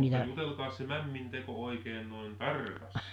jutelkaas se mämmin teko oikein noin tarkasti